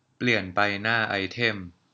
เปลี่ยนไปหน้าไอเทม